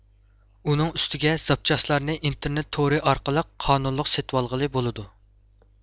ئۇنىڭ ئۈستىگە زاپچاسلىرىنى ئىنتېرنېت تورى ئارقىلىق قانۇنلۇق سېتىۋالغىلى بولىدۇ